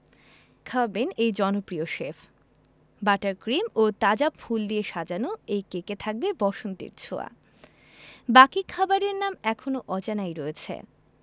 খাওয়াবেন এই জনপ্রিয় শেফ বাটার ক্রিম ও তাজা ফুল দিয়ে সাজানো সেই কেকে থাকবে বসন্তের ছোঁয়া বাকি খাবারের নাম এখনো অজানাই রয়েছে